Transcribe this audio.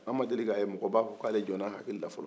an ma deli ka ye mɔgɔ b'a fɔ ko ale jɔnna a hakili la